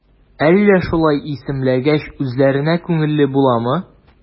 Әллә шулай исемләгәч, үзләренә күңелле буламы?